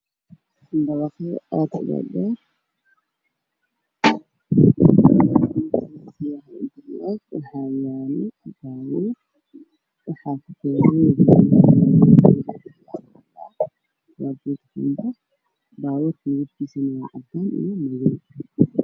Dabaqyo aad u dhaareer waxaa yaalo baabuur baabuurka midabkiisane waa cadamiin iyo madow.